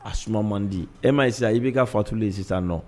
A suma man di e ma sisan i b'i ka faatulen yen sisan nɔ